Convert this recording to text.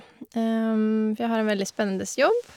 For jeg har en veldig spennende jobb.